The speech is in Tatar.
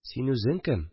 Син үзең кем